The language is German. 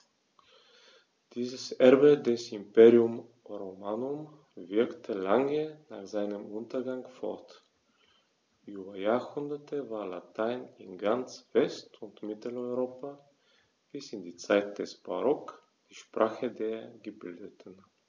Dieses Erbe des Imperium Romanum wirkte lange nach seinem Untergang fort: Über Jahrhunderte war Latein in ganz West- und Mitteleuropa bis in die Zeit des Barock die Sprache der Gebildeten.